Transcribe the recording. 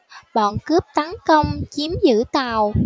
bọn cướp tấn công chiếm giữ tàu